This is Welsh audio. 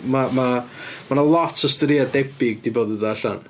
Mae, mae mae 'na lot o storïau debyg 'di bod yn dod allan.